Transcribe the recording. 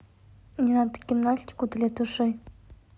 мне надо гимнастику для души